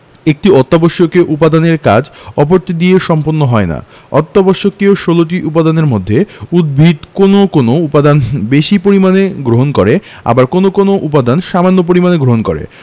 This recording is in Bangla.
একটি অত্যাবশ্যকীয় উপাদানের কাজ অপরটি দিয়ে সম্পন্ন হয় না অত্যাবশ্যকীয় ১৬ টি উপাদানের মধ্যে উদ্ভিদ কোনো কোনো উপাদান বেশি পরিমাণে গ্রহণ করে আবার কোনো কোনো উপাদান সামান্য পরিমাণে গ্রহণ করে